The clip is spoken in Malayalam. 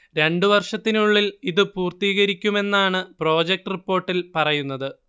രണ്ടു വർഷത്തിനുള്ളിൽ ഇതു പൂർത്തീകരിക്കുമെന്നാണ് പ്രോജക്റ്റ് റിപ്പോർട്ടിൽ പറയുന്നത്